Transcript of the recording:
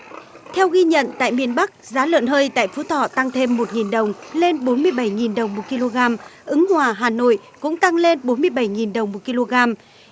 theo ghi nhận tại miền bắc giá lợn hơi tại phú thọ tăng thêm một nghìn đồng lên bốn mươi bảy nghìn đồng một ki lô gam ứng hòa hà nội cũng tăng lên bốn mươi bảy nghìn đồng một ki lô gam